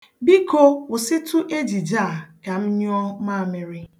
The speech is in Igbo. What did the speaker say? Biko, kwụsịtụ ejije a ka m nyụọ mamịrị.